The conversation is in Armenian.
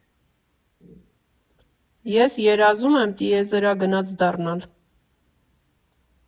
Ես երազում եմ տիեզերագնաց դառնալ։